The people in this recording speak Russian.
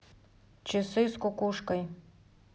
часы с кукушкой